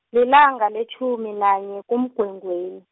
lilanga letjhumi nanye kuMgwengweni.